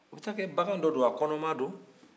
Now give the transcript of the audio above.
o bɛ taa kɛ bagan dɔ don a kɔnɔma don